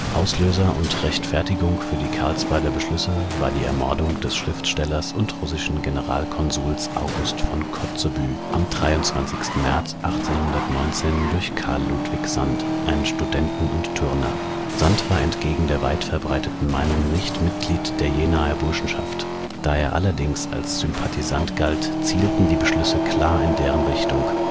Auslöser und Rechtfertigung für die Karlsbader Beschlüsse war die Ermordung des Schriftstellers und russischen Generalkonsuls August von Kotzebue am 23. März 1819 durch Karl Ludwig Sand, einen Studenten und Turner. Sand war entgegen der weit verbreiteten Meinung nicht Mitglied der Jenaer Burschenschaft. Da er allerdings als Sympathisant galt, zielten die Beschlüsse klar in deren Richtung